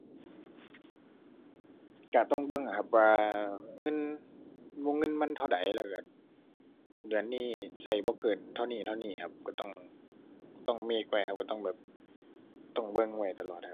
ก็ต้องเบิ่งอะครับ ว่าเงิน วงเงินมันเท่าใดแล้วก็เดือนนี้ใช้บ่เกินเท่านี้เท่านี้ครับ ก็ต้องต้องเมกไว้ครับ ก็ต้องแบบ ต้องเบิ่งไว้ตลอดครับ